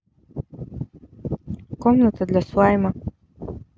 комната для слайма